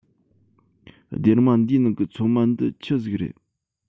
སྡེར མ འདིའི ནང གི ཚོད མ འདི ཆི ཟིག རེད